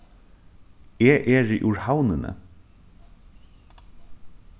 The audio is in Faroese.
eg eri úr havnini